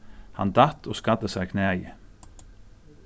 hann datt og skaddi sær knæið